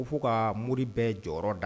U bɛ'u ka muru bɛɛ jɔyɔrɔ da